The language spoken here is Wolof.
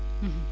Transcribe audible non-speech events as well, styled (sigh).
(hesitation) (hesitation)